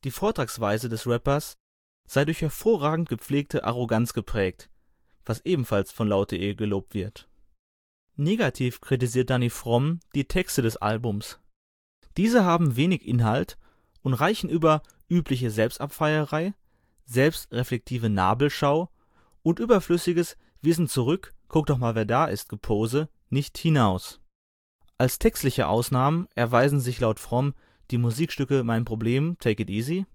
Vortragsweise des Rappers sei durch „ hervorragend gepflegte Arroganz “geprägt, was ebenfalls von Laut.de gelobt wird. Negativ kritisiert Dani Fromm die Texte des Albums. Diese haben wenig Inhalt und reichen über „ übliche Selbstabfeierei, selbstreflektive Nabelschau und überflüssiges ‚ Wir sind zurück, kuck doch mal, wer da ist ‘- Gepose nicht hinaus “. Als textliche Ausnahmen erweisen sich, laut Fromm, die Musikstücke Mein Problem (Take it easy